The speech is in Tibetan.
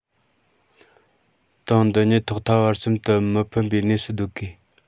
ཏང འདི ཉིད ཐོག མཐའ བར གསུམ དུ མི ཕམ པའི གནས སུ སྡོད དགོས